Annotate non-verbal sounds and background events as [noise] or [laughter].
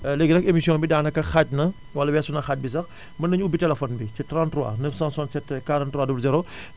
[hesitation] léegi nag émission bi daanaka xaaj na wala weesu na xaaj bi sax [inhales] mën nañu ubbi téléphone bi ci 33 967 43 00 [breath]